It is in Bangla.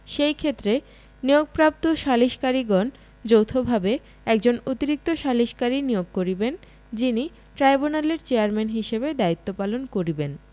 সেইক্ষেত্রে নিয়োগপ্রাপ্ত সালিসকারীগণ যৌথভাবে একজন অতিরিক্ত সালিসকারী নিয়োগ করিবেন যিনি ট্রাইব্যুনালের চেয়ারম্যান হিসাবে দায়িত্ব পালন করিবেন